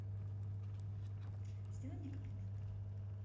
сделай мне комплимент